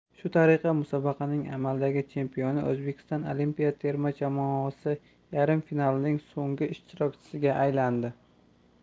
shu tariqa musobaqaning amaldagi chempioni o'zbekiston olimpiya terma jamoasi yarim finalning so'nggi ishtirokchisiga aylandi